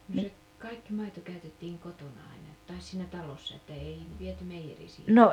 no se kaikki maito käytettiin kotona aina että taisi siinä talossa että ei viety meijeriin siitä